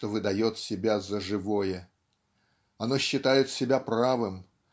что выдает себя за живое. Оно считает себя правым